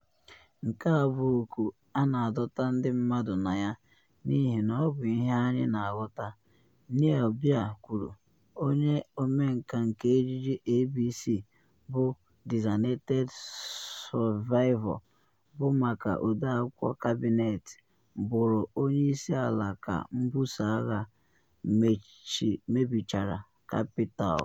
“Nke a bụ ọkụ a na adọta ndị mmadụ na ya n’ihi ọ bụ ihe anyị na aghọta,” Neal Baer kwuru, onye ọmenka nke ejije ABC bụ “Designated Survivor,” bụ maka ọde akwụkwọ kabinet bụrụ onye isi ala ka mbuso agha mebichara Capitol.